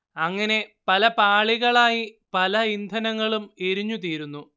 അങ്ങനെ പല പാളികളായി പല ഇന്ധനങ്ങളും എരിഞ്ഞുതീരുന്നു